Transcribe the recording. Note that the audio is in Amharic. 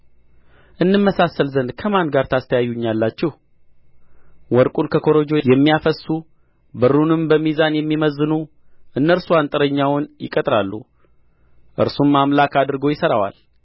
እንመሳሰል ዘንድ ከማን ጋር ታስተያዩኛላችሁ ወርቁን ከኮረጆ የሚያፈስሱ ብሩንም በሚዛን የሚመዝኑ እነርሱ አንጥረኛውን ይቀጥራሉ እርሱም አምላክ አድርጎ ይሠራ ዋል